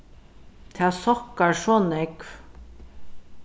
tað sokkar so nógv